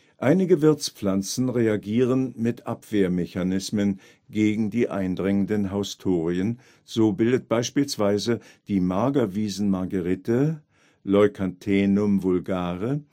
Einige Wirtspflanzen reagieren mit Abwehrmechanismen gegen die eindringenden Haustorien, so bildet beispielsweise die Magerwiesen-Margerite (Leucanthemum vulgare